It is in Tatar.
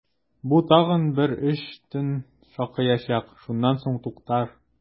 Бу тагын бер өч төн шакыячак, шуннан соң туктар!